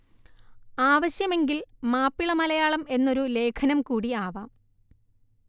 ആവശ്യമെങ്കിൽ മാപ്പിള മലയാളം എന്നൊരു ലേഖനം കൂടി ആവാം